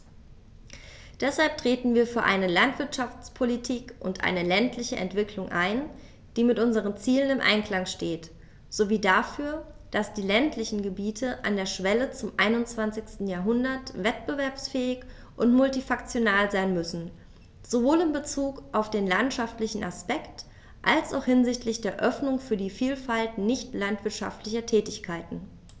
Deshalb treten wir für eine Landwirtschaftspolitik und eine ländliche Entwicklung ein, die mit unseren Zielen im Einklang steht, sowie dafür, dass die ländlichen Gebiete an der Schwelle zum 21. Jahrhundert wettbewerbsfähig und multifunktional sein müssen, sowohl in Bezug auf den landwirtschaftlichen Aspekt als auch hinsichtlich der Öffnung für die Vielfalt nicht landwirtschaftlicher Tätigkeiten.